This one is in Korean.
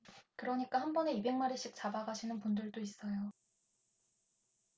그러니까 한번에 이백 마리씩 잡아가시는 분들도 있어요